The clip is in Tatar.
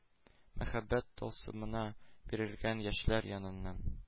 Мәхәббәт тылсымына бирелгән яшьләр яныннан